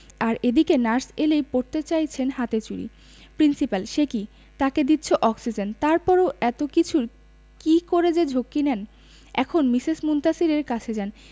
আর এদিকে নার্স এলেই পরতে চাইছেন হাতে চুড়ি প্রিন্সিপাল সে কি তাকে দিচ্ছে অক্সিজেন তারপরেও এত কিছুর কি করে যে ঝক্কি নেন এখন মিসেস মুনতাসীরের কাছে যান